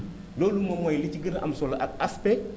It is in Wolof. loolu moom mooy li ci gën a am solo ak aspect